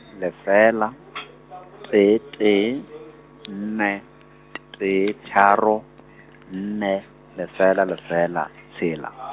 lefela , tee tee, nne, t- tee tharo, nne, lefela, lefela, tshela .